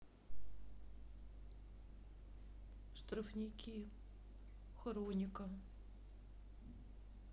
штрафники хроника